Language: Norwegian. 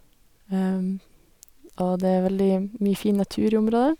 Og det er veldig mye fin natur i området.